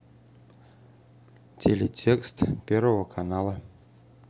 телетекст первого канала